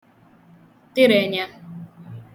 terè ẹnya